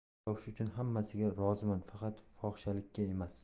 pul topish uchun hammasiga roziman faqat fohishalikka emas